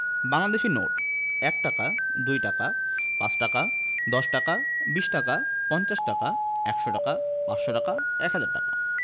বাংলাদেশি নোটঃ ১ টাকা ২ টাকা ৫ টাকা ১০ টাকা ২০ টাকা ৫০ টাকা ১০০ টাকা ৫০০ টাকা ১০০০ টাকা